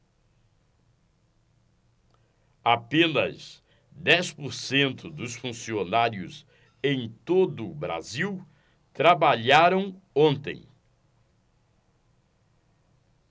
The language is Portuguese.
apenas dez por cento dos funcionários em todo brasil trabalharam ontem